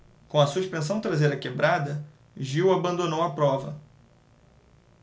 com a suspensão traseira quebrada gil abandonou a prova